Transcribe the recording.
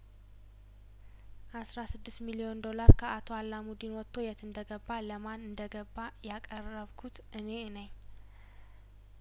አስራ ስድስት ሚሊዮን ዶላር ከአቶ አላሙዲን ወጥቶ የት እንደገባ ለማን እንደገባ ያቀርብኩት እኔ ነኝ